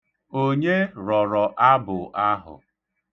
Onye rọrọ abụ ahụ?